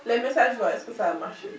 les messages voix est que ça a marché